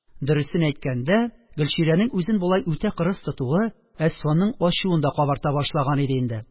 Дөресен әйткәндә, Гөлчирәнең үзен болай үтә кырыс тотуы Әсфанның ачуын да кабарта башлаган иде инде.